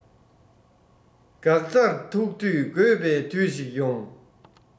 འགག རྩར ཐུག དུས དགོས པའི དུས ཤིག ཡོང